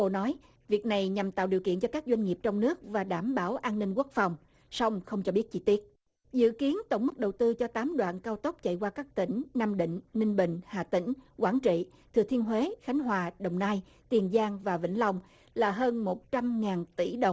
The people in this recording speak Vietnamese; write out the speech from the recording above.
bộ nói việc này nhằm tạo điều kiện cho các doanh nghiệp trong nước và đảm bảo an ninh quốc phòng song không cho biết chi tiết dự kiến tổng mức đầu tư cho tám đoạn cao tốc chạy qua các tỉnh nam định ninh bình hà tĩnh quảng trị thừa thiên huế khánh hòa đồng nai tiền giang và vĩnh long là hơn một trăm ngàn tỷ đồng